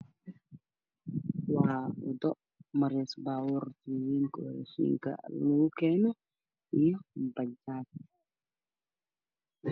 Waa wado mareyso baa buurta waa weyn oo lagu keeno raashin ka iyo bajaaj